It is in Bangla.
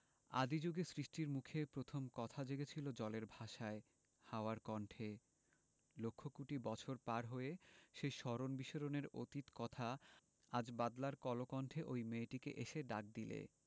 আদি জুগে সৃষ্টির মুখে প্রথম কথা জেগেছিল জলের ভাষায় হাওয়ার কণ্ঠে লক্ষ কোটি বছর পার হয়ে সেই স্মরণ বিস্মরণের অতীত কথা আজ বাদলার কলকণ্ঠে ঐ মেয়েটিকে এসে ডাক দিলে